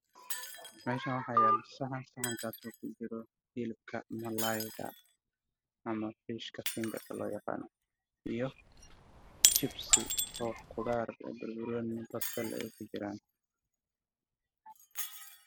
Waa saxan midabkiisa ay caddaan waxaa ku jira jib si bal banaani iyo basal